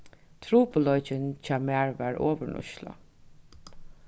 trupulleikin hjá mær var ovurnýtsla